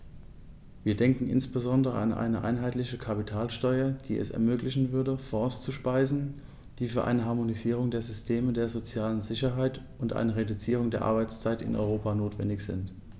Wir denken insbesondere an eine einheitliche Kapitalsteuer, die es ermöglichen würde, Fonds zu speisen, die für eine Harmonisierung der Systeme der sozialen Sicherheit und eine Reduzierung der Arbeitszeit in Europa notwendig sind.